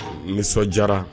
Nisɔndiyara